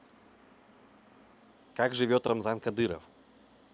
как живет рамзан кадыров